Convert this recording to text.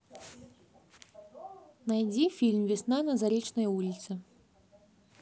найди фильм весна на заречной улице